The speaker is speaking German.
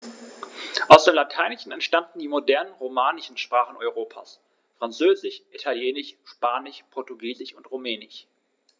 Aus dem Lateinischen entstanden die modernen „romanischen“ Sprachen Europas: Französisch, Italienisch, Spanisch, Portugiesisch und Rumänisch.